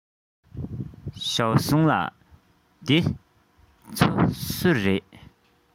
ཞའོ སུང ལགས འདི ཚོ སུའི རེད